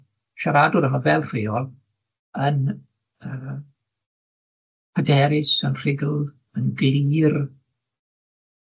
siaradwr yma fel rheol yn yy hyderus, yn rhugl, yn glir,